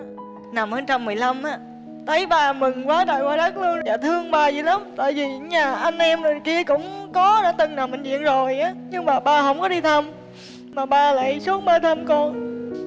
nằm ở trăm mười lăm á thấy ba mừng quá trời quá đất luôn dạ thương ba dữ lắm tại vì ở nhà anh em rồi kia cũng có đã từng nằm bệnh viện rồi á nhưng mà ba hổng có đi thăm mà ba lại xuống ba thăm con